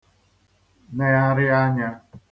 negharị anya